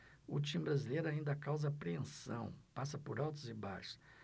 o time brasileiro ainda causa apreensão passa por altos e baixos